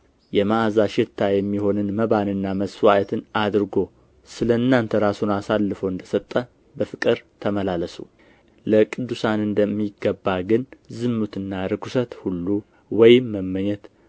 የመዓዛ ሽታ የሚሆንን መባንና መሥዋዕትን አድርጎ ስለ እናንተ ራሱን አሳልፎ እንደ ሰጠ በፍቅር ተመላለሱ ለቅዱሳን እንደሚገባ ግን ዝሙትና ርኵሰት ሁሉ ወይም መመኘት